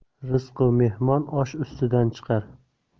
rizqu mehmon osh ustidan chiqar